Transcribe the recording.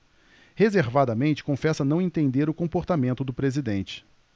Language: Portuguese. reservadamente confessa não entender o comportamento do presidente